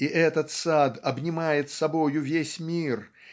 и этот сад обнимает собою весь мир